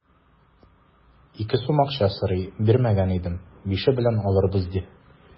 Ике сум акча сорый, бирмәгән идем, бише белән алырбыз, ди.